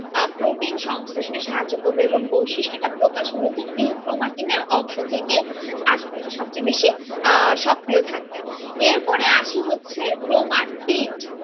protein সংশ্লেষণে সাহায্য করবে এবং বৈশিষ্ট্যটা প্রকাশ মূলত ইউক্রোমাটিন এর অংশ থেকেই আসবে এটা সব চেয়ে বেশি সক্রিয় থাকবে এরপরে আসি হচ্ছে ক্রোমাটিড